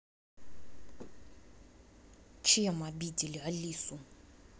чем обидели алису